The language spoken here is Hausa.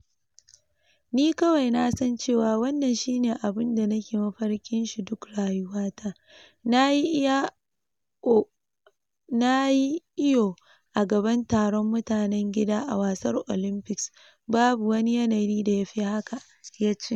“Ni kawai na san cewa wannan shi ne abun da nake mafarkin shi duk rayuwa ta - na yi iyo a gaban taron mutanen gida a Wasar Olympics, babu wani yanayi da yafi haka,” ya ce.